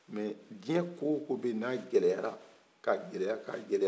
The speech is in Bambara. mɛ diɲɛ ko o ko bɛ n'a gɛlɛya k'a gɛlɛya ka gɛlɛya